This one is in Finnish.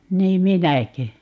niin minäkö